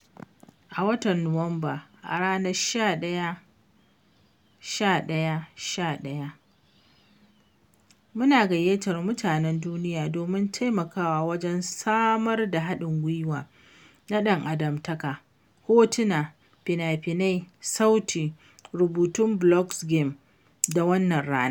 A watan Nuwamba, a ranar 11/11/11, muna gayyatar mutanen duniya domin taimakawa wajen samar da haɗin gwiwa na ɗan-adamtaka: hotuna, fina-finai, sauti, da rubutun blog game da wannan rana.